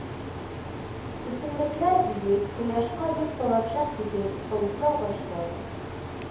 Үсемлекләр биек, кояшка бик таләпчән түгел, ылыслы агачлар